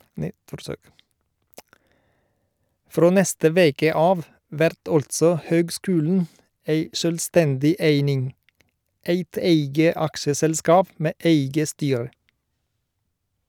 Frå neste veke av vert altså høgskulen ei sjølvstendig eining, eit eige aksjeselskap med eige styre.